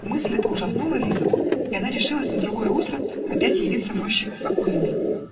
Мысль эта ужаснула Лизу, и она решилась на другое утро опять явиться в рощу Акулиной.